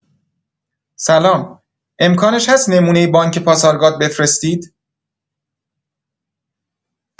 سلام امکانش هست نمونه بانک پاسارگارد بفرستید؟